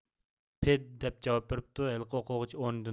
پېد دەپ جاۋاب بېرىپتۇ ھېلىقى ئوقۇغۇچى ئورنىدىن تۇرۇپ